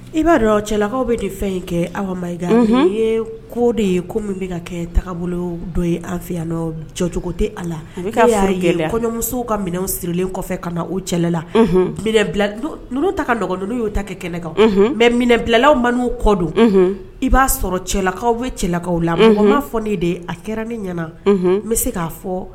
I'a dɔn cɛlakaw bɛ fɛn in kɛ aw ye ko de ye ko min bɛ kɛ dɔ ye an fɛ yan jɔcogo tɛ a la y'a yɛlɛ kɔɲɔmuso ka minɛnw sirilen kɔfɛ ka na o cɛlala ta nɔgɔ y'o ta kɛ kɛnɛkaw mɛ minɛn bilalaw man'u kɔ don i b'a sɔrɔ cɛlakaw bɛ cɛlakaw la bamanan fɔ ne de ye a kɛra ne ɲɛna n bɛ se k'a fɔ